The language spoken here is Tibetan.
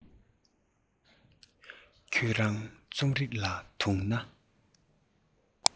ཁྱོད རང རྩོམ རིག ལ དུངས ན